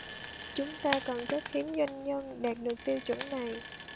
chúng ta còn rất hiếm doanh nhân đạt được tiêu chuẩn này